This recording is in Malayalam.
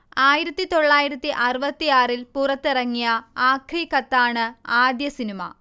ആയിരത്തി തൊള്ളായിരത്തി അറുപത്തി ആറിൽ പുറത്തിറങ്ങിയ 'ആഖ്രി ഖത്താണ്' ആദ്യ സിനിമ